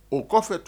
O kɔfɛ tun